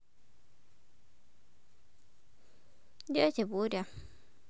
дядя боря